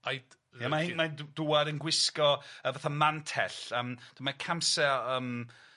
Ai... Ia mae hi'n mae'n dw dŵad yn gwisgo yy fatha mantell yym a mae camse yym